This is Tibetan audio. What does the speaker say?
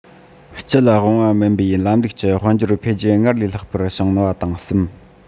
སྤྱི ལ དབང བ མིན པའི ལམ ལུགས ཀྱི དཔལ འབྱོར འཕེལ རྒྱས སྔར ལས ལྷག པར བྱུང བ དང གསུམ